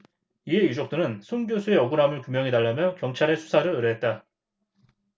이에 유족들은 손 교수의 억울함을 규명해 달라며 경찰에 수사를 의뢰했다